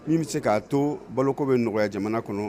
N bɛ se k'a to boloko bɛ nɔgɔya jamana kɔnɔ